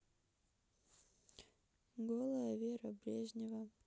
голая вера брежнева